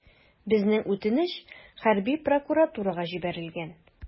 Безнең үтенеч хәрби прокуратурага җибәрелгән.